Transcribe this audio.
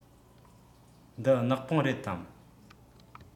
འདི ནག པང རེད དམ